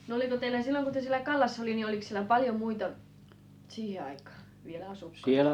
no oliko teillä silloin kun te siellä Kallassa oli niin oliko siellä paljon muita siihen aikaan vielä asukkaita